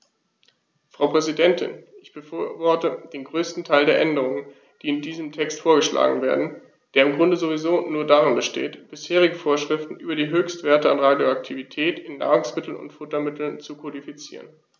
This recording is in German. Frau Präsidentin, ich befürworte den größten Teil der Änderungen, die in diesem Text vorgeschlagen werden, der im Grunde sowieso nur darin besteht, bisherige Vorschriften über die Höchstwerte an Radioaktivität in Nahrungsmitteln und Futtermitteln zu kodifizieren.